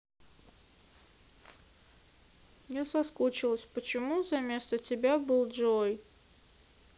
я соскучилась почему за место тебя был джой